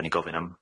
'Dan ni'n gofyn am